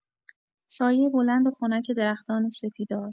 سایه بلند و خنک درختان سپیدار